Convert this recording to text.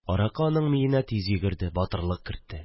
Аракы аның миенә тиз йөгерде, батырлык кертте